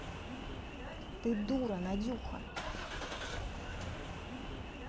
ты дура надюха